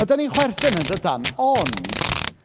A dan ni'n chwerthin yn dydan? Ond...